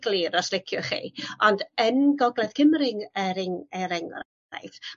glir os liciwch chi ond yn Gogledd Cimru'ng yr ing- er enghraifft